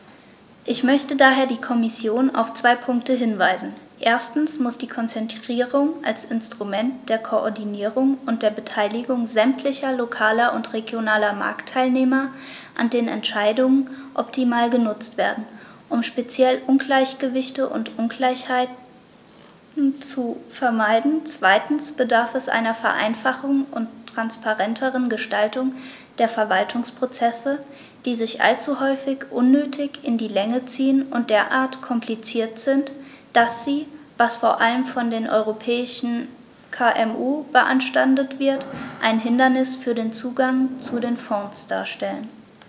Ich möchte daher die Kommission auf zwei Punkte hinweisen: Erstens muss die Konzertierung als Instrument der Koordinierung und der Beteiligung sämtlicher lokaler und regionaler Marktteilnehmer an den Entscheidungen optimal genutzt werden, um speziell Ungleichgewichte und Ungleichheiten zu vermeiden; zweitens bedarf es einer Vereinfachung und transparenteren Gestaltung der Verwaltungsprozesse, die sich allzu häufig unnötig in die Länge ziehen und derart kompliziert sind, dass sie, was vor allem von den europäischen KMU beanstandet wird, ein Hindernis für den Zugang zu den Fonds darstellen.